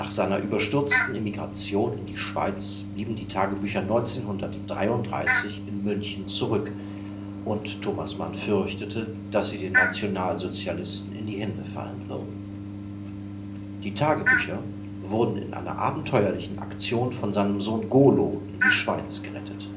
seiner überstürzten Emigration in die Schweiz blieben die Tagebücher 1933 in München zurück, und Thomas Mann fürchtete, dass sie den Nationalsozialisten in die Hände fallen würden. Die Tagebücher wurden in einer abenteuerlichen Aktion von seinem Sohn Golo in die Schweiz gerettet